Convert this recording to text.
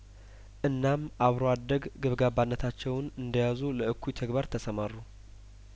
እናም አብሮ አደግ ገብጋባነታቸውን እንደያዙ ለእኩ ይተግባር ተሰማሩ